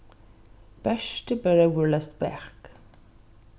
bert er bróðurleyst bak